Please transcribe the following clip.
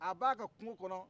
a b'a ka kungo kɔnɔ